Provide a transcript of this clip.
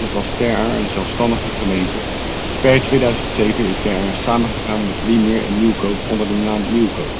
was Ter Aar een zelfstandige gemeente, per 2007 is Ter Aar samengegaan met Liemeer en Nieuwkoop onder de naam Nieuwkoop